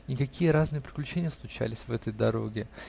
И какие разные приключения случались в этой дороге!